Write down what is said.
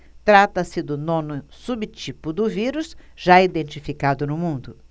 trata-se do nono subtipo do vírus já identificado no mundo